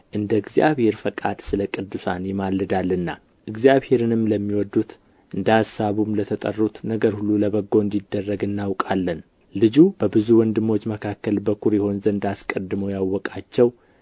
እንደ እግዚአብሔር ፈቃድ ስለ ቅዱሳን ይማልዳልና እግዚአብሔርንም ለሚወዱት እንደ አሳቡም ለተጠሩት ነገር ሁሉ ለበጎ እንዲደረግ እናውቃለን ልጁ በብዙ ወንድሞች መካከል በኵር ይሆን ዘንድ አስቀድሞ ያወቃቸው